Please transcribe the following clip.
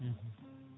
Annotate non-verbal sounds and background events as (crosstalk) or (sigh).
(hesitation) (hesitation)